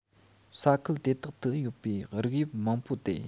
ས ཁུལ དེ དག ཏུ ཡོད པའི རིགས དབྱིབས མང པོ སྟེ